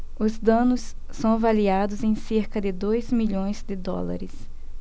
os danos são avaliados em cerca de dois milhões de dólares